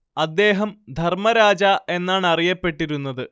അദ്ദേഹം ധർമ്മരാജ എന്നാണറിയപ്പെട്ടിരുന്നത്